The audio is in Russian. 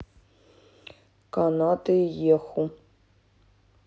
канаты йеху